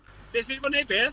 Beth fi 'di bod yn wneud beth?